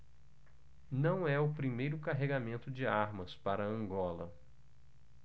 não é o primeiro carregamento de armas para angola